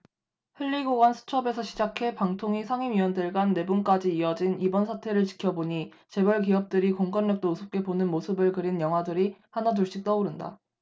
흘리고간 수첩에서 시작해 방통위 상임위원들 간 내분까지 이어진 이번 사태를 지켜보니 재벌 기업들이 공권력도 우습게 보는 모습을 그린 영화들이 하나둘씩 떠오른다